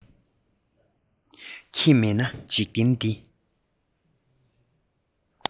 ཁྱེད མེད ན འཇིག རྟེན འདི